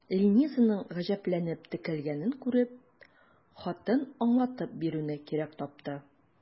Ленизаның гаҗәпләнеп текәлгәнен күреп, хатын аңлатып бирүне кирәк тапты.